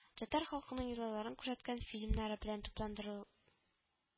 Татар халкының йолаларын күрсәткән фильмнары белән тулыландырыл